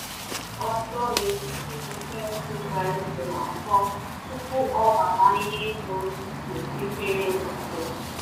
Ọ gbara ọsọ n’etiti defensi Brighton atọ, tupu ọ gbabanye n’ogige mepere emepe.